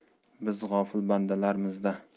biz g'ofil bandalarmiz da